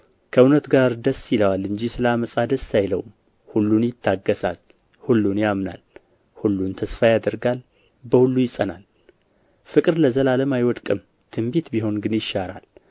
ከእውነት ጋር ደስ ይለዋል እንጂ ስለ ዓመፃ ደስ አይለውም ሁሉን ይታገሣል ሁሉን ያምናል ሁሉን ተስፋ ያደርጋል በሁሉ ይጸናል ፍቅር ለዘወትር አይወድቅም ትንቢት ቢሆን ግን ይሻራል